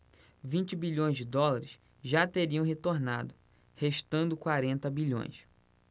vinte bilhões de dólares já teriam retornado restando quarenta bilhões